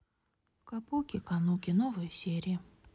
капуки кануки новые серии